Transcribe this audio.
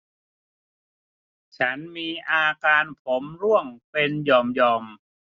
ฉันมีอาการผมร่วงเป็นหย่อมหย่อม